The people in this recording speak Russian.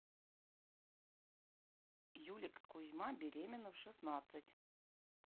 юлик и кузьма беременна в шестнадцать